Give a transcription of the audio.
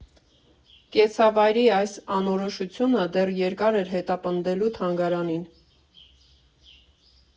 Կեցավայրի այս անորոշությունը դեռ երկար էր հետապնդելու թանգարանին։